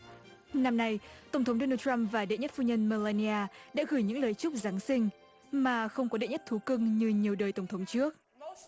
năm nay tổng thống đô nồ trăm và đệ nhất phu nhân mê la ni a đã gửi những lời chúc giáng sinh mà không có đệ nhất thú cưng như nhiều đời tổng thống trước